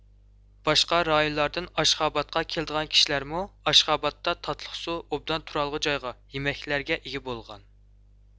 باشقا رايونلاردىن ئاشخاباردقا كېلىدىغان كىشىلەرمۇ ئاشخابادتا تاتلىق سۇ ئوبدان تۇرار جايغا يېمەكلىكلەرگە ئىگە بولغان